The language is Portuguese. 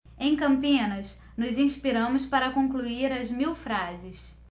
em campinas nos inspiramos para concluir as mil frases